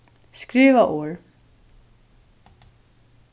skriva orð